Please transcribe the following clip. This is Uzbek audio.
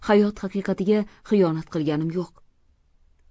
hayot haqiqatiga xiyonat qilganim yo'q